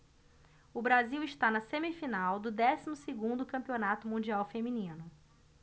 o brasil está na semifinal do décimo segundo campeonato mundial feminino